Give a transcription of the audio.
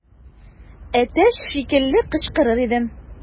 Әтәч шикелле кычкырыр идем.